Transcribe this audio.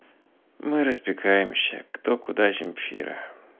мы разбегаемся кто куда земфира